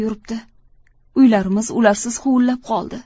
yuribdi uylarimiz ularsiz huvillab qoldi